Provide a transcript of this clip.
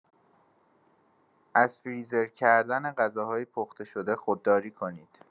از فریزر کردن غذاهای پخته‌شده خودداری کنید.